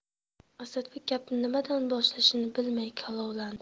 asadbek gapni nimadan boshlashni bilmay kalovlandi